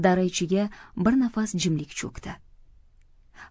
dara ichiga bir nafas jimlik cho'kdi